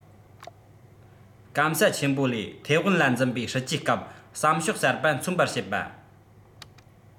སྐམ ས ཆེན པོ ལས ཐའེ ཝན ལ འཛིན པའི སྲིད ཇུས སྐབས བསམ ཕྱོགས གསར པ མཚོན པར བྱེད པ